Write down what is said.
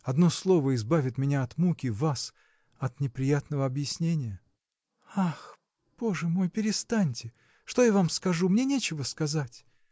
одно слово избавит меня от муки, вас – от неприятного объяснения. – Ах, боже мой, перестаньте! что я вам скажу? мне нечего сказать!